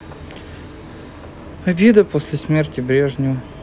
обида после смерти брежнева